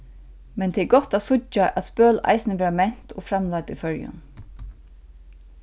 men tað er gott at síggja at spøl eisini verða ment og framleidd í føroyum